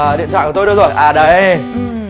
ờ điện thoại của tôi đâu rồi à đây